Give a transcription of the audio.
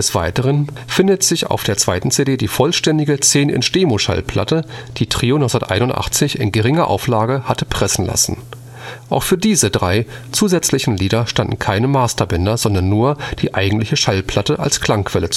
Weiteren findet sich auf der zweiten CD die vollständige 10 "- Demo-Schallplatte, die Trio 1981 in geringer Auflage hatte pressen lassen. Auch für diese drei zusätzlichen Lieder standen keine Masterbänder, sondern nur die eigentliche Schallplatte als Klangquelle